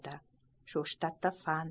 shu shtatda fan